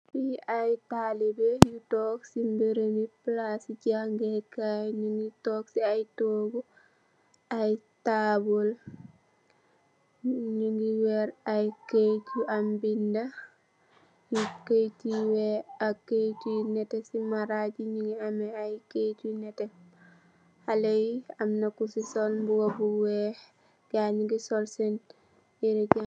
hi aitalibe tog ci burebu palci jahgehkayi tog ci ayi togo ayi tabule nge werr ayi keyet yu am bendah ayi keyet yu weex, ak keyetyu nete.